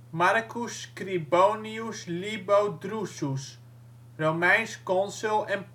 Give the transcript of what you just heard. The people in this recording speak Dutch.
Marcus Scribonius Libo Drusus, Romeins consul en